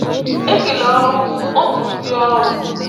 Ekele ọrụ òtù ndịọrụ!